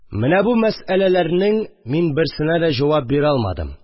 Менә бу мәсьәләләрнең мин берсенә дә җавап бирә алмадым